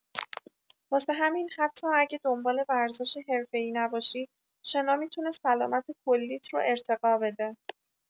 واسه همین حتی اگه دنبال ورزش حرفه‌ای نباشی، شنا می‌تونه سلامت کلیت رو ارتقا بده.